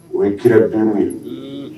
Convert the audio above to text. O ye kira 5 ye uuun